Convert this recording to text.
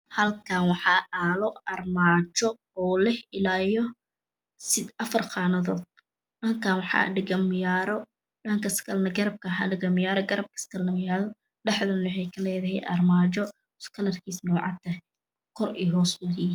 Halkaan waa aalo armaajo oo leh ilaa iyo leh afar qaanadood. halkaan waxaa "dhigan" ma ahan ee waxaa la dhigay "miraayo" ma ahan ee waa miraayad. dhankaas waxaa dhigan miraayo garabka miyaarad garabka kalene miraayad. dhexdane waxay ka leedahaya armaajo kalarkiisane uu cadyahay kor iyo hoos ee yihiin.